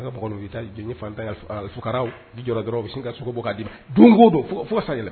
A taa jɔnraw jɔ dɔrɔn bɛ sin ka' di don don fo